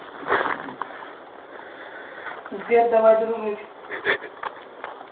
сбер давай дружить